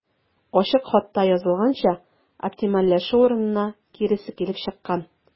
Ачык хатта язылганча, оптимальләшү урынына киресе килеп чыккан.